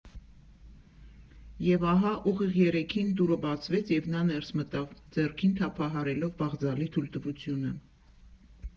Եվ ահա, ուղիղ երեքին, դուռը բացվեց և նա ներս մտավ՝ ձեռքում թափահարելով բաղձալի թույլտվությունը։